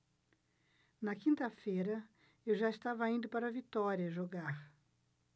na quinta-feira eu já estava indo para vitória jogar